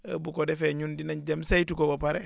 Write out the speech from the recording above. bu ko defee ñun dinañ def saytu ko ba pare